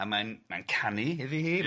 ..a mae'n mae'n canu iddi hi... Ia